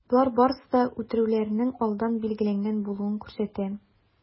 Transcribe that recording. Болар барысы да үтерүләрнең алдан билгеләнгән булуын күрсәтә.